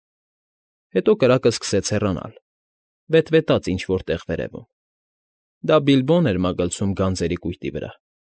Հետո կրակն սկսեց հեռանալ, վետվետաց ինչ֊որ տեղ վերևում. դա Բիլբոն էր մագլցում գանձերի կույտի վրա։